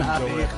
Na, be chwaith.